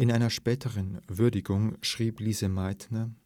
einer späteren Würdigung schrieb Lise Meitner